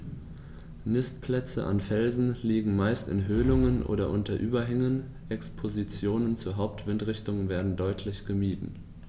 Nistplätze an Felsen liegen meist in Höhlungen oder unter Überhängen, Expositionen zur Hauptwindrichtung werden deutlich gemieden.